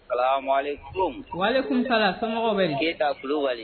Kalan kunsa sago bɛ ji ta kulubali